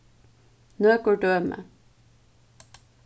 nøkur dømi